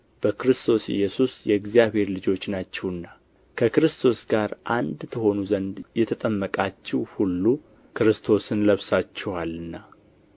በክርስቶስ ኢየሱስ የእግዚአብሔር ልጆች ናችሁና ከክርስቶስ ጋር አንድ ትሆኑ ዘንድ የተጠመቃችሁ ሁሉ ክርስቶስን ለብሳችኋልና